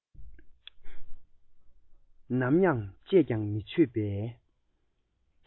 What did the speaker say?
ནམ ཡང བཅད ཀྱང མི ཆོད པའི